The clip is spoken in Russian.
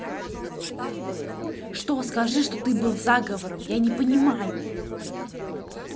что скажи что ты был заговором я не понимаю